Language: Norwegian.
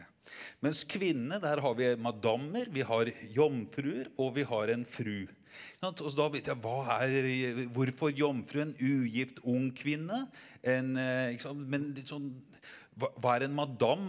mens kvinnene der har vi madammer vi har jomfruer og vi har en fru sant altså da begynte jeg hva er hvorfor jomfru en ugift ung kvinne en ikke sant men litt sånn hva er en madam.